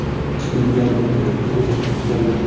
ish bilganniki qilich tutganniki